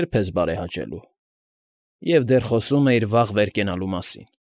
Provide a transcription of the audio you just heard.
Ե՞րբ ես բարեհաճելու։ Եվ դեռ խոսում էիր «վաղ վեր կենալու» մասին։